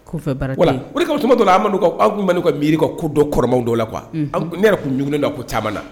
Kaw tumama dɔn amadu aw tun ka miiri kodɔn kɔrɔmaw dɔw la qu ne yɛrɛ tun jugun da ko caman na